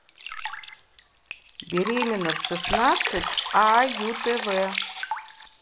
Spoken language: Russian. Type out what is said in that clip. беременна в шестнадцать а ю тв